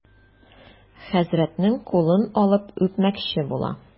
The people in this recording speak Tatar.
Хәзрәтнең кулын алып үпмәкче була.